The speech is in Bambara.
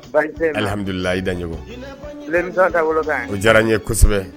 Baasi tɛ yen, alihamudulila i Daɲogo l'émission taabolo ka ɲi, o diyara n ye kosɛbɛ